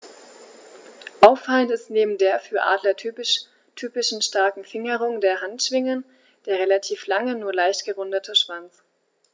Auffallend ist neben der für Adler typischen starken Fingerung der Handschwingen der relativ lange, nur leicht gerundete Schwanz.